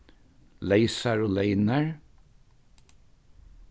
leysar og leynar